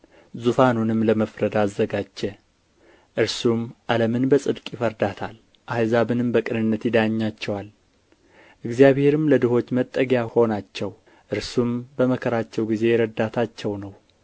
ዙፋኑንም ለመፍረድ አዘጋጀ እርሱም ዓለምን በጽድቅ ይፈርዳታል አሕዛብንም በቅንነት ይዳኛቸዋል እግዚአብሔርም ለድሆች መጠጊያ ሆናቸው እርሱም በመከራቸው ጊዜ ረዳታቸው ነው